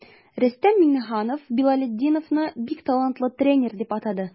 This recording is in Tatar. Рөстәм Миңнеханов Билалетдиновны бик талантлы тренер дип атады.